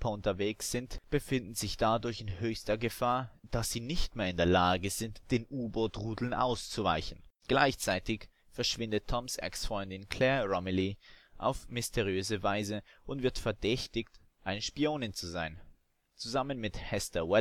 unterwegs nach Europa sind, befinden sich dadurch in höchster Gefahr, da sie nicht mehr in der Lage sind, den U-Boot-Rudeln auszuweichen. Gleichzeitig verschwindet Toms Ex-Freundin Claire Romilly auf mysteriöse Weise und wird verdächtigt, eine Spionin zu sein. Zusammen mit Hester